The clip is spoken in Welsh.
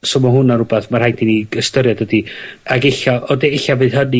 so ma' hwnna'n rwbeth ma' rhaid i ni ystyried ydi ag ella o dy' ella fydd hynny